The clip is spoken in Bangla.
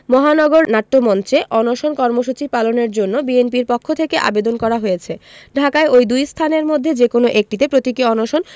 মহানগর নাট্যমঞ্চে অনশন কর্মসূচি পালনের জন্য বিএনপির পক্ষ থেকে আবেদন করা হয়েছে ঢাকায় ওই দুই স্থানের মধ্যে যেকোনো একটিতে প্রতীকী অনশন